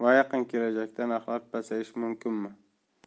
bo'ldi va yaqin kelajakda narxlar pasayishi mumkinmi